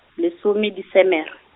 lesome Desemere.